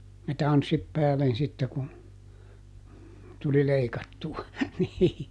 ja tanssit päälle sitten kun tuli leikattua niin